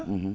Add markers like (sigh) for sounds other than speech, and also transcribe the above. (hesitation) (hesitation)